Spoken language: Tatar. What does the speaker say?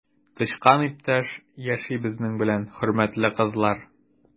Тычкан иптәш яши безнең белән, хөрмәтле кызлар!